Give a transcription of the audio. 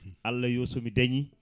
Allah yo somi dañi